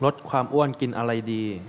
ลดความอ้วนกินอะไรดี